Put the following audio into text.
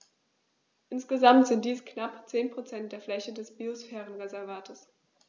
Insgesamt sind dies knapp 10 % der Fläche des Biosphärenreservates.